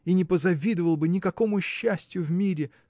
– и не позавидовал бы никакому счастью в мире